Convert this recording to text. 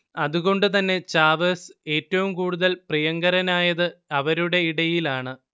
അതുകൊണ്ടുതന്നെ ചാവേസ് ഏറ്റവും കൂടുതൽ പ്രിയങ്കരനായത് അവരുടെ ഇടയിലാണ്